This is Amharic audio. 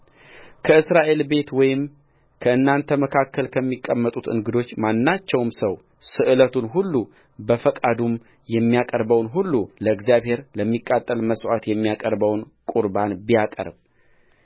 ከእስራኤል ቤት ወይም ከእናንተ መካከል ከሚቀመጡት እንግዶች ማናቸውም ሰው ስእለቱን ሁሉ በፈቃዱም የሚያቀርበውን ሁሉ ለእግዚአብሔር ለሚቃጠል መሥዋዕት የሚያቀርበውን ቍርባን ቢያቀርብ